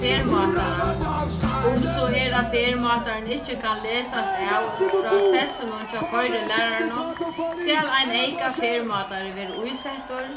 ferðmátara um so er at ferðmátarin ikki kann lesast av frá sessinum hjá koyrilæraranum skal ein eyka ferðmátari verða ísettur